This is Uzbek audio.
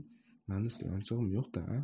mani suyanchig'im yo'q da a